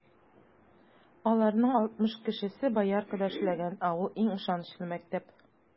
Аларның алтмыш кешесе Бояркада эшләгән, ә ул - иң ышанычлы мәктәп.